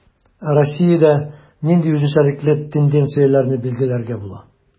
Ә Россиядә нинди үзенчәлекле тенденцияләрне билгеләргә була?